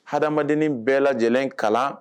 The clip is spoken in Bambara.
Adamadennin bɛɛ lajɛlen in kalan